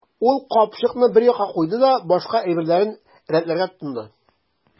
Ул капчыкны бер якка куйды да башка әйберләрен рәтләргә тотынды.